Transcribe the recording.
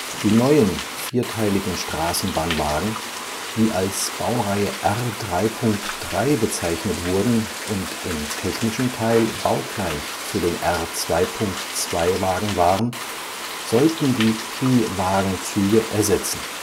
Die neuen vierteilige Straßenbahnwagen, die als Baureihe R 3.3 bezeichnet wurden und im technischen Teil baugleich zu den R-2.2-Wagen waren, sollten die P-Wagen-Züge ersetzen